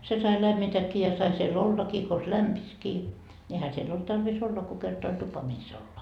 se sai lämmitäkin ja sai siellä ollakin konsa lämpisikin niin eihän siellä ollut tarvis olla kun kerta oli tupa missä olla